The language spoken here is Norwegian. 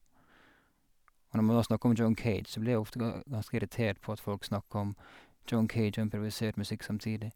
Og når man nå snakker om John Cage, så blir jeg ofte ga ganske irritert på at folk snakker om John Cage og improvisert musikk samtidig.